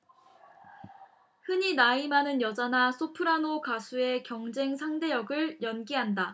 흔히 나이 많은 여자나 소프라노 가수의 경쟁 상대 역을 연기한다